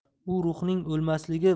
u ruhning o'lmasligi